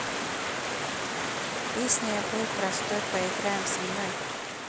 песня a boy простой поиграем со мной